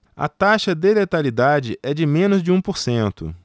a taxa de letalidade é de menos de um por cento